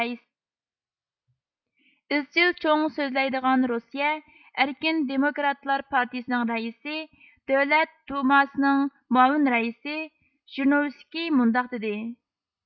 ئىزچىل چوڭ سۆزلەيدىغان روسىيە ئەركىن دېموكراتلار پارتىيىسىنىڭ رەئىسى دۆلەت دۇماسىنىڭ مۇئاۋىن رەئىسى ژىرنوۋىسكىي مۇنداق دېدى